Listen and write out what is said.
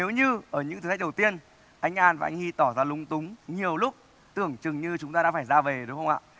nếu như ở những thử thách đầu tiên anh an và anh hy tỏ ra lúng túng nhiều lúc tưởng chừng như chúng ta đã phải ra về đúng không ạ